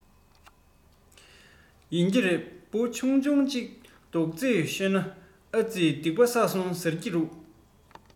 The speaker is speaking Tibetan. ཡིན གྱི རེད འབུ ཆུང ཆུང ཅིག རྡོག རྫིས ཤོར ནའི ཨ རྩི སྡིག པ བསགས སོང ཟེར གྱི འདུག